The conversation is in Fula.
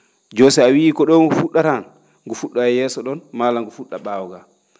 jooni so a wiyi ko ?oo ngu fu??ara hann ngu fu??oya yeeso ?oon maa walla ngu fu??a ?aawo ngaa